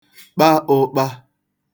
kpa ụ̄kpā